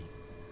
waaw